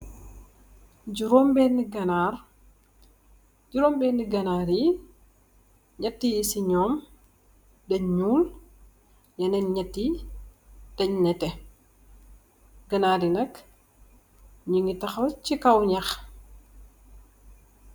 Jorom beneh ganar nyetti yi si nyomdanj nyul yenen nyetti yi danj netteh amna yu takhaw si kaw nyakh